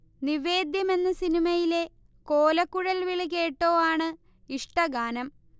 നിവേദ്യം എന്ന സിനിമയിലെ കോലക്കുഴൽവിളി കേട്ടോ ആണ് ഇഷ്ടഗാനം